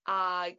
...ag...